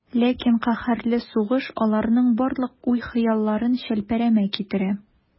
Ләкин каһәрле сугыш аларның барлык уй-хыялларын челпәрәмә китерә.